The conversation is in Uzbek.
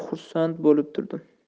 xursand bo'lib turdim